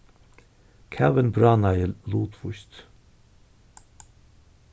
kavin bráðnaði lutvíst